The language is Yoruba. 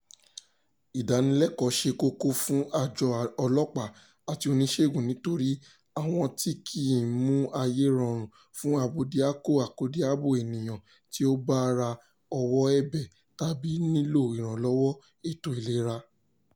Ìdánilẹ́kọ̀ọ́ ṣe kókó fún àjọ ọlọ́pàá àti oníṣègùn nítorí àwọn ni kì í mú ayé rọrùn fún Abódiakọ-akọ́diabo ènìyàn tí ó bá ra ọwọ́ ẹ̀bẹ̀ tàbí nílò ìrànlọ́wọ́ ètò ìlera.